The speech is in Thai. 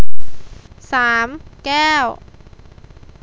สามแก้ว